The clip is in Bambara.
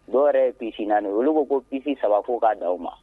Dɔw yɛrɛ puce naani ye, olu ko ko puce saba ko k'a dan o ma.